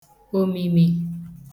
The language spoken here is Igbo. òmìmì